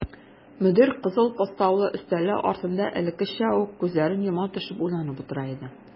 Мөдир кызыл постаулы өстәле артында элеккечә үк күзләрен йома төшеп уйланып утыра иде.